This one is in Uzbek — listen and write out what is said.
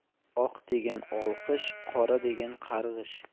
oq degan olqish qora degan qarg'ish